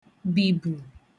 bìbù